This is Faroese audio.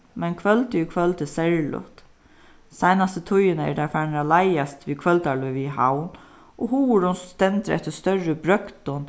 men kvøldið í kvøld er serligt seinastu tíðina eru teir farnir at leiðast við kvøldarlívið í havn og hugurin stendur eftir størri brøgdum